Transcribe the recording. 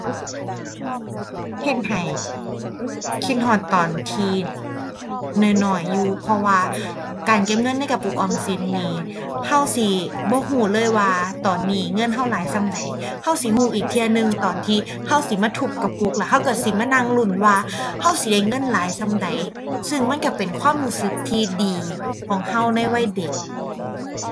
เฮ็ดให้ คิดฮอดตอนที่น้อยน้อยอยู่ เพราะว่าการเก็บเงินในกระปุกออมสินนี่ เราสิบ่รู้เลยว่าตอนนี้เงินเราหลายส่ำใด เราสิเราอีกเที่ยหนึ่งตอนที่เราสิมาทุบกระปุก แล้วเราเราสิมานั่งลุ้นว่าเราสิได้เงินหลายส่ำใด ซึ่งมันเราเป็นความรู้สึกที่ดีของเราในวัยเด็ก